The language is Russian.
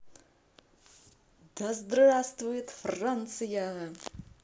да здравствует франция